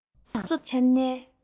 རྟོག བཟོ དང འཆར ཡན